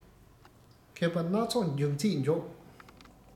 མཁས པ སྣ ཚོགས འབྱུང ཚད མགྱོགས